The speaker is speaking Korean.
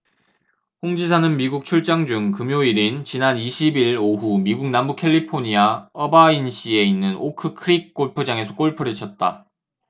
홍 지사는 미국 출장 중 금요일인 지난 이십 일 오후 미국 남부 캘리포니아 어바인시에 있는 오크 크릭 골프장에서 골프를 쳤다